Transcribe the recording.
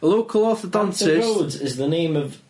a local orthodontist... Hampton Roads is the name of